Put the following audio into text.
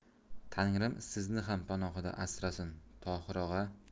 tangrim sizni ham panohida asrasin tohir og'a